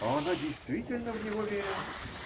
А она действительно в него верила.